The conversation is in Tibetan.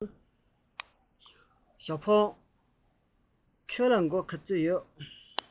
ཞའོ ཧྥང རང ལ སྒོར ག ཚོད ཡོད པས